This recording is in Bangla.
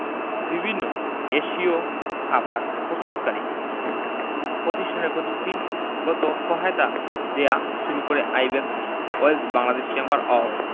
বিভিন্ন এশীয় খাবার প্রস্তুতকারী প্রতিষ্ঠানে প্রযুক্তিগত সহায়তা দেয়া শুরু করে আইব্যাকস ওয়েলস বাংলাদেশ চেম্বার অব